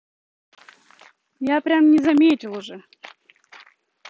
я прям не заметил уже